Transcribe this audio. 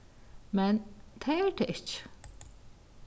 men tað er tað ikki